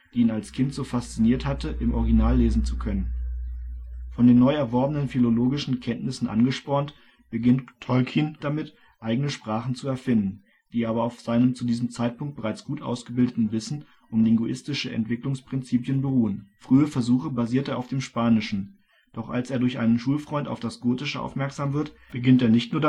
ihn als Kind so fasziniert hatte, im Original lesen zu können. Von den neu erworbenen philologischen Kenntnissen angespornt, beginnt Tolkien bald damit, eigene Sprachen zu erfinden, die aber auf seinem zu diesem Zeitpunkt bereits gut ausgebildeten Wissen um linguistische Entwicklungsprinzipien beruhen. Frühe Versuche basiert er auf dem Spanischen, doch als er durch einen Schulfreund auf das Gotische aufmerksam wird, beginnt er nicht nur damit